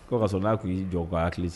Ko ka n'a k'i jɔ ko a' hakili ki